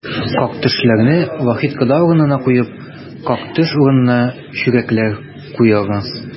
Как-төшләрне Вахит кода урынына куеп, как-төш урынына чүрәкләр куеңыз!